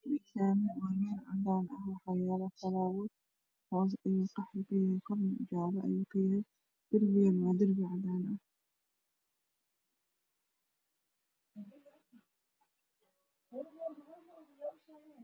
Meshani waxa yaalo falawur cadan ah hos ayuu qawikayahay korna jaloayuukayahay derbiga na waaderbicadan ah